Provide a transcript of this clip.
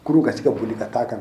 Kuru ka se ka boli ka taa ka na